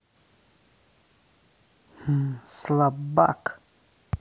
слабак